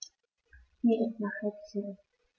Mir ist nach Häppchen.